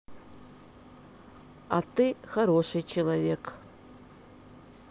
а ты хороший человек